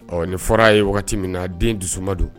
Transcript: Ɔ nin fɔra ye wagati min na den dusu ma don